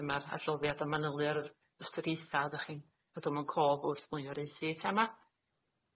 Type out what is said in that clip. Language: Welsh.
Dyma'r adroddiad o manylia'r ystyriaetha o'ddach chi'n cadw mewn cof wrth flaenoraethu eitema.